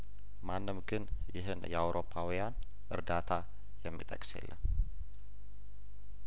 ማንም ግን ይህን የአውሮፓውያን እርዳታ የሚጠቅስ የለም